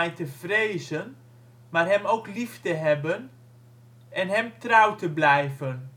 te vrezen, maar hem ook lief te hebben en hen trouw te blijven